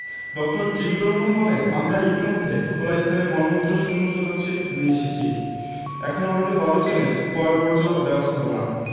ড. বলেন জিল্লুর রহমান আমরা ইতিমধ্যে খোলা স্থানে মলমুত্র শূন্য শতাংশে নিয়ে এসেছি এখন আমাদের বড় চ্যালেঞ্জ পয়ঃবর্জ্য ব্যবস্থাপনা